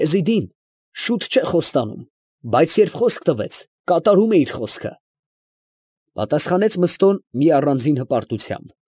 Եզիդին շուտ չէ խոստանում, բայց երբ խոսք տվեց, կատարում է իր խոսքը, ֊ պատասխանեց Մըստոն մի առանձին հպարտությամբ։